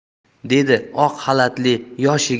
dedi oq xalatli yosh